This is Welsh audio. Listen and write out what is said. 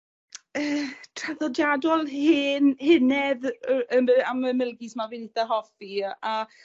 traddodiadol hen henedd yy yym b- am y milgis 'ma fi'n itha hoffi a